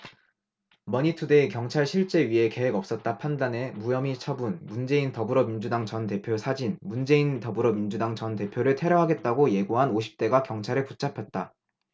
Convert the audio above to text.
머니투데이 경찰 실제 위해 계획 없었다 판단해 무혐의 처분 문재인 더불어민주당 전 대표 사진 문재인 더불어민주당 전 대표를 테러하겠다고 예고한 오십 대가 경찰에 붙잡혔다